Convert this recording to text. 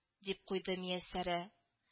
—дип куйды мияссәрә